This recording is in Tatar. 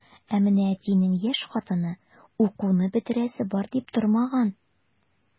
Ә менә әтинең яшь хатыны укуны бетерәсе бар дип тормаган.